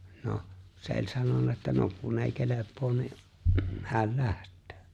no se oli sanonut että no kun ei kelpaa niin hän lähtee